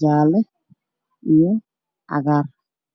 jaale iyo cagaar